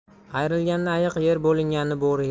ayrilganni ayiq yer bo'linganni bo'ri yer